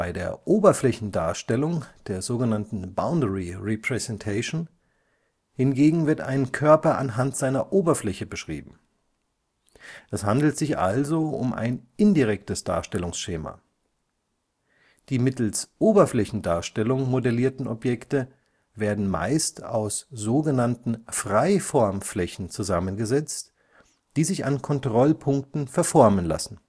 der Oberflächendarstellung (Boundary Representation) hingegen wird ein Körper anhand seiner Oberfläche beschrieben; es handelt sich also um ein indirektes Darstellungsschema. Die mittels Oberflächendarstellung modellierten Objekte werden meist aus so genannten Freiformflächen zusammengesetzt, die sich an Kontrollpunkten verformen lassen